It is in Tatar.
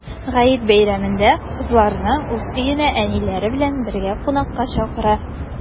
Гает бәйрәмендә кызларны уз өенә әниләре белән бергә кунакка чакыра.